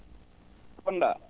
gonɗaa